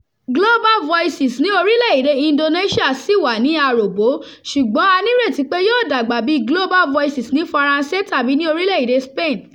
Global Voices ní orílẹ̀-èdè Indonesia sì wà ní aròbó ṣùgbọ́n a ní ìrètí pé yóò dàgbà bíi Global Voices ní Faransé tàbí ní orílẹ̀ èdè Spain.